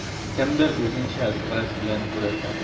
Кемдер үзенчә стресс белән көрәшә.